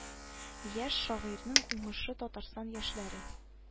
Яшь шагыйрьнең уңышы татарстан яшьләре